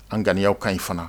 An ŋaniyaw kaɲi fana.